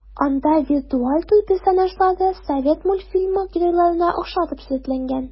Анда виртуаль тур персонажлары совет мультфильмы геройларына охшатып сурәтләнгән.